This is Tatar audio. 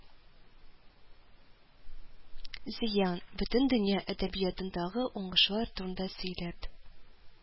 Зиян, бөтен дөнья әдәбиятындагы уңышлар турында сөйләп,